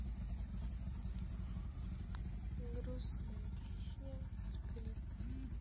грустная песня клип